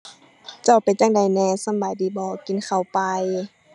เจ้าเป็นจั่งใดแหน่ สำบายดีบ่ กินข้าวไป